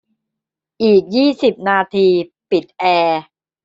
อีกยี่สิบนาทีปิดแอร์